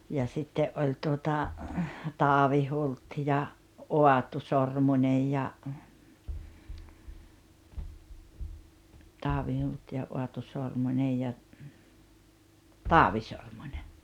ja sitten oli tuota Taavi Hult ja Aatu Sormunen ja Taavi Hult ja Aatu Sormunen ja Taavi Sormunen